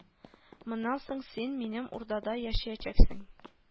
Моннан соң син минем урдада яшәячәксең